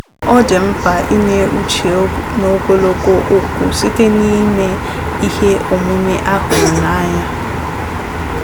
Ọ dị mkpa inye uche n'ogologo okwu site n'ime ihe omume a hụrụ anya.